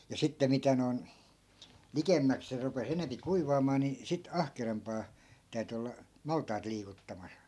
ja sitten mitä noin likemmäksi se rupesi enempi kuivaamaan niin sitten ahkerampaan täytyi olla maltaita liikuttamassa